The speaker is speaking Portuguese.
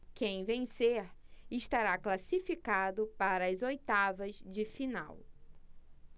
quem vencer estará classificado para as oitavas de final